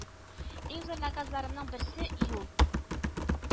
Иң зур наказларымның берсе юл